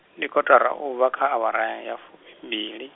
ndi kotara ubva kha awara, ya fumimbili.